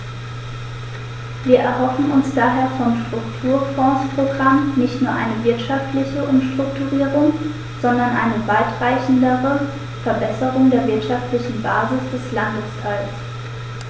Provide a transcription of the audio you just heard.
Wir erhoffen uns daher vom Strukturfondsprogramm nicht nur eine wirtschaftliche Umstrukturierung, sondern eine weitreichendere Verbesserung der wirtschaftlichen Basis des Landesteils.